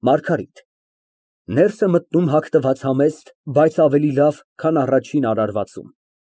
ՄԱՐԳԱՐԻՏ ֊ (Ներս է մտնում հագնված համեստ, բայց ավելի լավ, քան առաջին արարվածում։